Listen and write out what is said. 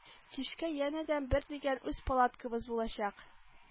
Кичкә янәдән бер дигән үз палаткабыз булачак